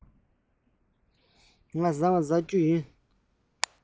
ང ཁ ལགས བཟའ རྒྱུ ཡིན